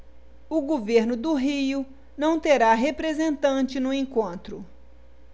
o governo do rio não terá representante no encontro